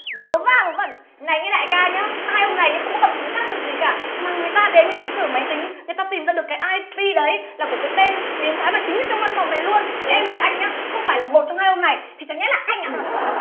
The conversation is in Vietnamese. vớ va vớ vẩn này nhớ đại ca nhớ hai ông này nhớ không có bằng chứng xác thực gì cả mà người ta đến người ta sửa máy tính người ta tìm ra được cái ai pi đấy là của cái tên biến thái mà chính ở trong văn phòng này luôn thế em hỏi anh nhớ không phải là một trong hai ông này thì chẳng lẽ là anh à